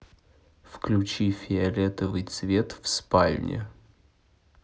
включи фиолетовый цвет в спальне